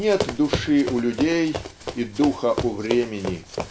Нет души у людей и духа у времени.